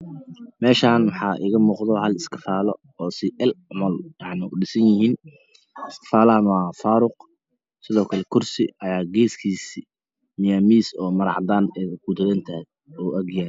Meeshan waxaa iga muuqdo hal iskafaalo sida el camal u dhaisanyihiin iskafaalahana waa faaruq sidookle kurisi ayaa geeskiisa miyaa miis oo maro cadaan e kudantahay o agyaalo